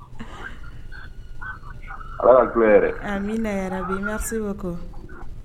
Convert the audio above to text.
Allah ka ile hɛrɛ, Amina ya rabbi